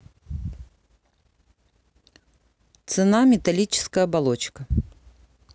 цена металлическая оболочка